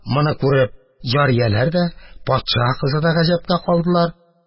Моны күреп, җарияләр дә, патша кызы да гаҗәпкә калдылар.